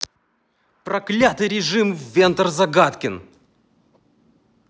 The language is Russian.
проклятый режим вентер загадкин